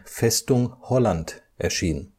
Festung Holland “, erschien